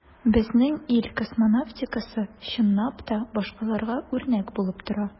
Безнең ил космонавтикасы, чынлап та, башкаларга үрнәк булып тора.